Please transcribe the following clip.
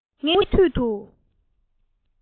ངེད གཉིས མུ མཐུད དུ